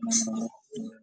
dhismo ku socoto